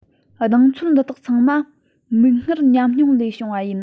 གདེང ཚོད འདི དག ཚང མ མིག སྔར ཉམས མྱོང ལས བྱུང བ ཡིན